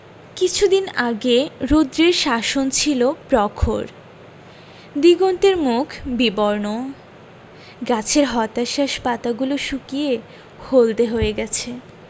কিছুদিন আগে রৌদ্রের শাসন ছিল প্রখর দিগন্তের মুখ বিবর্ণ গাছের হতাশ্বাস পাতাগুলো শুকিয়ে হলদে হয়ে গেছে